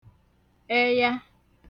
ẹya